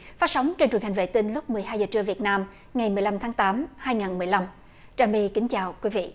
phát sóng trên truyền hình vệ tinh lúc mười hai giờ trưa việt nam ngày mười lăm tháng tám hai ngàn mười lăm trà my kính chào quý vị